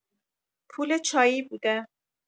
پول چایی بوده